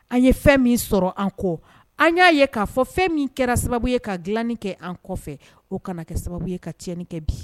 An ye fɛn min sɔrɔ an kɔ an y'a ye k'a fɔ fɛn min kɛra sababu ye ka dilanni kɛ an kɔfɛ o kana kɛ sababu ye kaɲɛni kɛ bi